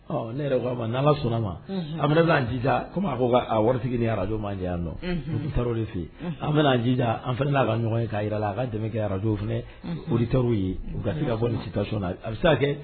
Ɔ ne yɛrɛ'ama sɔnna ma an bɛna' jija kɔmi ko wari sigilen ni araj mandiya yan nɔ taa de fɛ an bɛna jija an fana n'a ka ɲɔgɔn ye ka jira la a ka dɛmɛ kɛ arajw fana ptarw ye u ka se ka bɔ nin si ka so na a bɛ se' kɛ